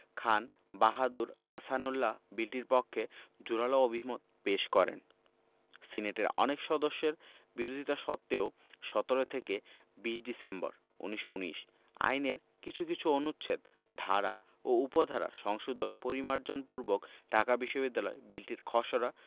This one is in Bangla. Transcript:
খান বাহাদুর আহসানউল্লাহ বিলটির পক্ষে জোরালো অভিমত পেশ করেন সিনেটের অনেক সদস্যের বিরোধিতা সত্ত্বেও ১৭ থেকে ২০ ডিসেম্বর ১৯১৯ আইনের কিছু কিছু অনুচ্ছেদ ধারা ও উপধারা সংশোধন পরিমার্জন পূর্বক ঢাকা বিশ্ববিদ্যালয় বিলটির খসড়া